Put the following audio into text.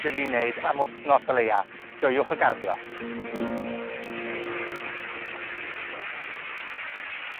'da fi wneud am wthnos o leia. Joiwch y garddio.